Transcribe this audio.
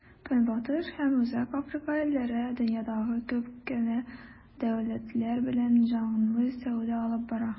Көнбатыш һәм Үзәк Африка илләре дөньядагы күп кенә дәүләтләр белән җанлы сәүдә алып бара.